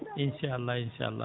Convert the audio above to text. inchallah inchallah